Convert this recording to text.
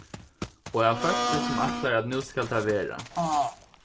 og av fólki sum ætlar at nú skal tað vera